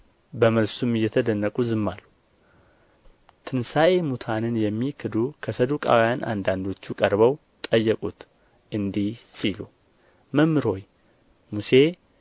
በመልሱም እየተደነቁ ዝም አሉ ትንሣኤ ሙታንንም የሚክዱ ከሰዱቃውያን አንዳንዶቹ ቀርበው ጠየቁት እንዲህ ሲሉ መምህር ሆይ ሙሴ